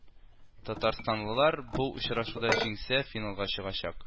Татарстанлылар бу очрашуда җиңсә финалга чыгачак